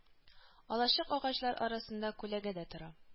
Алачык агачлар арасында күләгәдә тора